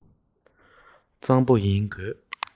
གཙང པོ ཡིན དགོས